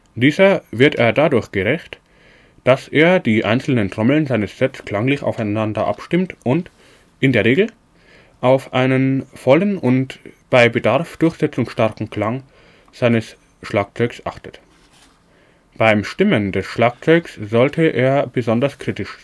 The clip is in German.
Dieser wird er dadurch gerecht, dass er die einzelnen Trommeln seines Sets klanglich aufeinander abstimmt und (in der Regel) auf einen vollen und bei Bedarf durchsetzungsstarken Klang seines Schlagzeugs achtet. Beim Stimmen des Schlagzeugs sollte er besonders kritisch